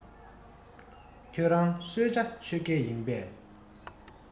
ཁྱོར རང གསོལ ཇ མཆོད ཀས ཡིན པས